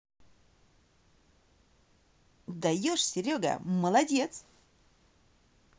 даешь серега молодец